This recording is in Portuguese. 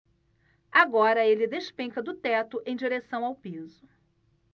agora ele despenca do teto em direção ao piso